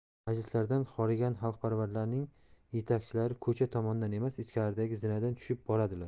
majlislardan xorigan xalqparvarlarning yetakchilari ko'cha tomondan emas ichkaridagi zinadan tushib boradilar